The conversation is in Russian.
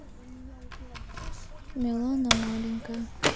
милана маленькая